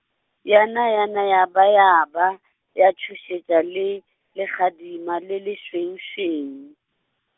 yana yana ya ba ya ba ya tšhošetša le, legadima le lešweušweu.